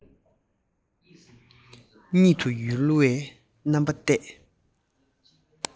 གཉིད དུ ཡུར བའི རྣམ པར བལྟས